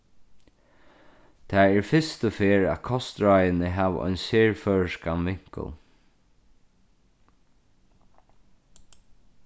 tað er fyrstu ferð at kostráðini hava ein serføroyskan vinkul